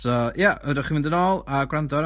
So ia fedwch chi mynd yn ôl a gwrando ar...